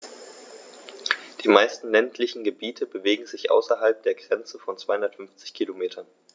Die meisten ländlichen Gebiete bewegen sich außerhalb der Grenze von 250 Kilometern.